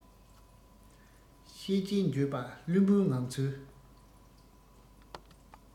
ཤེས རྗེས འགྱོད པ བླུན པོའི ངང ཚུལ